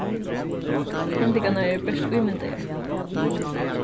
hendingarnar eru bert ímyndaðar